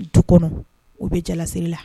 Du kɔnɔ u bɛ jalasi la